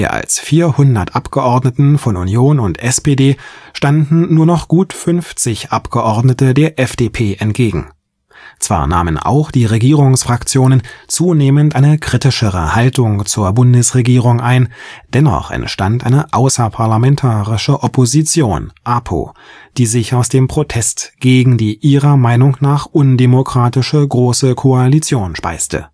als 400 Abgeordneten von Union und SPD standen nur noch gut 50 Abgeordnete der FDP entgegen. Zwar nahmen auch die Regierungsfraktionen zunehmend eine kritischere Haltung zur Bundesregierung ein, dennoch entstand eine außerparlamentarische Opposition (APO), die sich aus dem Protest gegen die ihrer Meinung nach undemokratische Große Koalition speiste